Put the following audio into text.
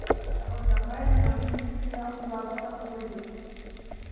Ә аждаһа яныннан үтеп китүне уйларлык та түгел, ди.